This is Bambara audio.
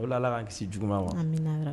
A bɛ ala ka kisi jugu ma wa